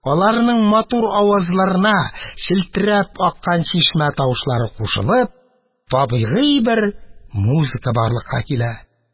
Аларның матур авазларына челтерәп аккан чишмә тавышлары кушылып, табигый бер музыка барлыкка килә.